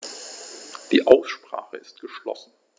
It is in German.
Die Aussprache ist geschlossen.